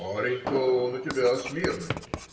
- Парень-то он у тебя смирный.